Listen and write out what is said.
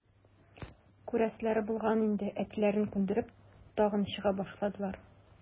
Күрәселәре булгандыр инде, әтиләрен күндереп, тагын чыга башладылар.